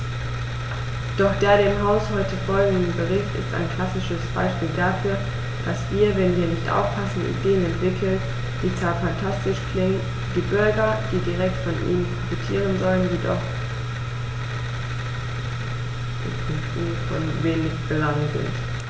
Doch der dem Haus heute vorliegende Bericht ist ein klassisches Beispiel dafür, dass wir, wenn wir nicht aufpassen, Ideen entwickeln, die zwar phantastisch klingen, für die Bürger, die direkt von ihnen profitieren sollen, jedoch u. U. von wenig Belang sind.